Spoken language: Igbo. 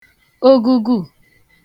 ogugū